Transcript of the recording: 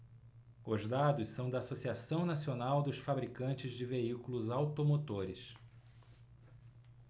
os dados são da anfavea associação nacional dos fabricantes de veículos automotores